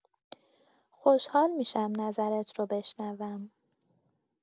خوشحال می‌شم نظرت رو بشنوم!